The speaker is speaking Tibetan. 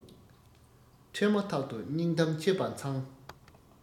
འཕྲད མ ཐག ཏུ སྙིང གཏམ འཆད པ མཚང